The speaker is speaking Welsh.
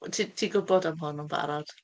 Ti ti'n gwbod am hwn yn barod.